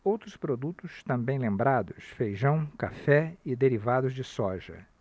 outros produtos também lembrados feijão café e derivados de soja